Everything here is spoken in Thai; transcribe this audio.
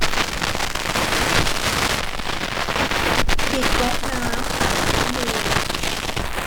ปิดก๊อกน้ำน้ำอ่างล้างมือ